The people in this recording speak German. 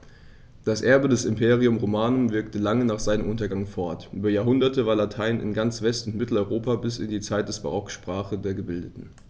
Dieses Erbe des Imperium Romanum wirkte lange nach seinem Untergang fort: Über Jahrhunderte war Latein in ganz West- und Mitteleuropa bis in die Zeit des Barock die Sprache der Gebildeten.